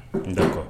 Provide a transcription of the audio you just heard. D'accord